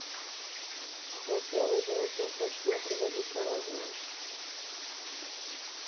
афина женька не хочет мне приводить мороженое